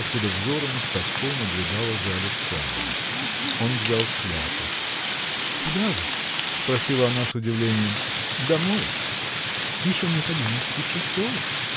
откуда взорами с тоской наблюдала за Александром. Он взял шляпу. – Куда вы? – спросила она с удивлением. – Домой. – Еще нет одиннадцати часов.